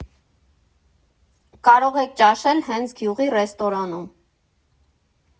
Կարող եք ճաշել հենց գյուղի ռեստորանում։